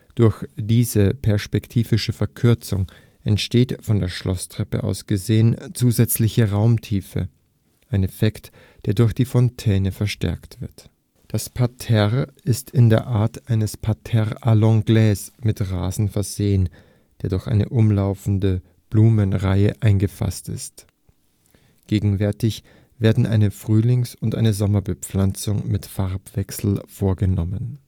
Durch diese perspektivische Verkürzung entsteht, von der Schlosstreppe aus gesehen, zusätzliche Raumtiefe, ein Effekt, der durch die Fontäne verstärkt wird. Das Parterre ist in der Art eines parterre à l'angloise mit Rasen versehen, der durch eine umlaufende Blumenreihe eingefasst ist. Gegenwärtig werden eine Frühlings - und eine Sommerbepflanzung mit Farbwechsel vorgenommen